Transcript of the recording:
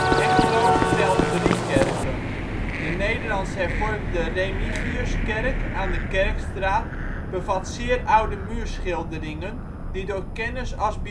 Hengelo telt 3 kerken. De nederlands-hervormde Remigiuskerk aan de Kerkstraat bevat zeer oude muurschilderingen die door kenners als